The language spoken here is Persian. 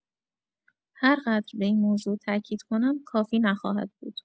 هرقدر بر این موضوع تاکید کنم، کافی نخواهد بود.